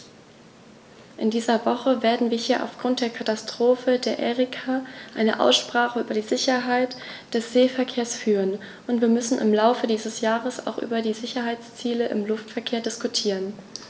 In dieser Woche werden wir hier aufgrund der Katastrophe der Erika eine Aussprache über die Sicherheit des Seeverkehrs führen, und wir müssen im Laufe dieses Jahres auch über die Sicherheitsziele im Luftverkehr diskutieren.